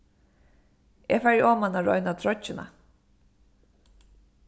eg fari oman at royna troyggjuna